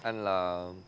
anh là